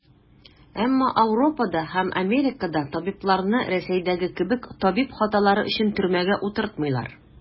Әмма Ауропада һәм Америкада табибларны, Рәсәйдәге кебек, табиб хаталары өчен төрмәгә утыртмыйлар.